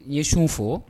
I ye sun fɔɔ